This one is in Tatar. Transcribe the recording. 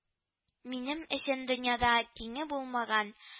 — минем өчен дөньяда тиңе булмаган